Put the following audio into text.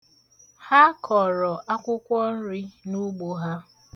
Ha kọrọ akwụkwọnri n'ugbo ha.